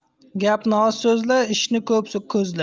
gapni oz so'zla ishni ko'p ko'zla